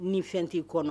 Ni fɛn t'i kɔnɔ